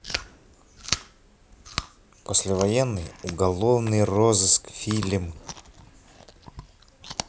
послевоенный уголовный розыск фильм